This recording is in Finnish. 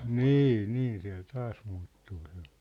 niin niin siellä taas muuttuu se